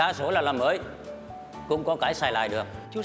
đa số là làm mới cũng có cái xài lại được